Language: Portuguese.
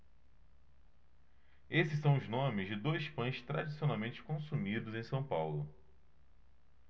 esses são os nomes de dois pães tradicionalmente consumidos em são paulo